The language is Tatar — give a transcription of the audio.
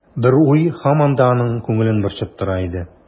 Бер уй һаман да аның күңелен борчып тора иде.